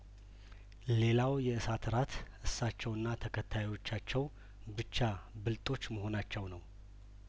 ሌላው የእሳት እራት እሳቸውና ተከታዮቻቸው ብቻ ብል ጦች መሆናቸው ነው